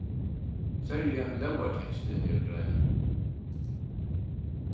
serliga í lógarteksti eru greinar